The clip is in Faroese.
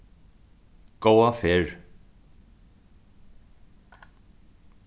góða ferð